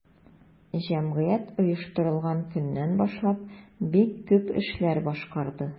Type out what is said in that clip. Җәмгыять оештырылган көннән башлап бик күп эшләр башкарды.